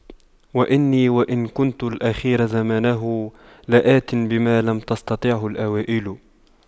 وإني وإن كنت الأخير زمانه لآت بما لم تستطعه الأوائل